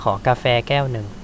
ขอกาแฟแก้วหนึ่ง